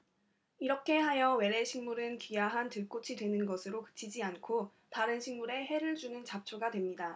이렇게 하여 외래 식물은 귀화한 들꽃이 되는 것으로 그치지 않고 다른 식물에 해를 주는 잡초가 됩니다